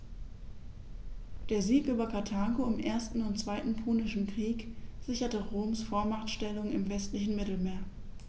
Der Sieg über Karthago im 1. und 2. Punischen Krieg sicherte Roms Vormachtstellung im westlichen Mittelmeer.